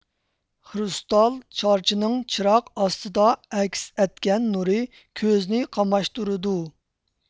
خرۇستال شارچىنىڭ چىراغ ئاستىدا ئەكس ئەتكەن نۇرى كۆزنى قاماشتۇرىدۇ